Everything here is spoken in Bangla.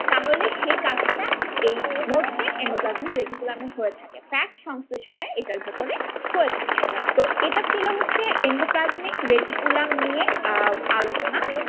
তাহলে সেই কাজটা এই মসৃণ এন্ডোপ্লাজমিক রেটিকুলাম এ হয়ে থাকে ফ্যাট সংশ্লেষণ টা এটার ভিতর হয়ে থাকে তো এটা ছিল হচ্ছে এন্ডোপ্লাজমিক রেটিকুলাম নিয়ে আলোচনা